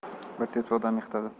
bir tepsa odamni yiqitadi